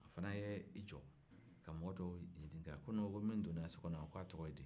a fana y'i jɔ ka mɔgɔ dɔw ɲinika ko ne ko min donna so kɔnɔ yan ka tɔgɔ ye di